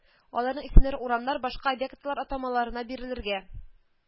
Аларның исемнәре урамнар, башка объектлар атамаларына бирелергә